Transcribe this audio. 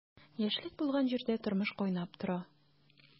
Яшьлек булган җирдә тормыш кайнап тора.